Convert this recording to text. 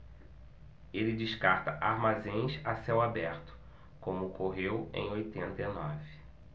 ele descarta armazéns a céu aberto como ocorreu em oitenta e nove